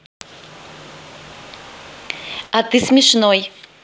а ты смешной